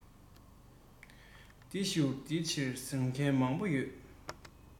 མི ཚེ ཇ ཆང ལོངས སྤྱོད ངང ལ འགྲོ